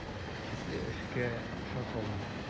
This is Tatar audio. Шикле эшкә акча салма.